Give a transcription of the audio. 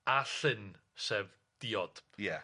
a llyn sef diod. Ia.